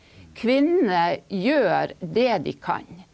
kvinnene gjør det de kan.